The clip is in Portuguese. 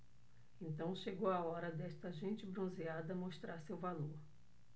então chegou a hora desta gente bronzeada mostrar seu valor